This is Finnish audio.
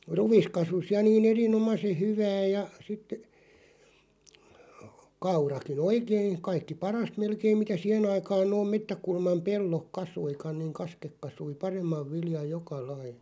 ruis kasvoi ja niin erinomaisen hyvää ja sitten kaurakin oikein kaikki parasta melkein mitä siihen aikaan nuo metsäkulman pellot kasvoikaan niin kasket kasvoi paremman viljan joka laji